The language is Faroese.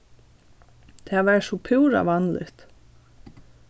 tað var so púra vanligt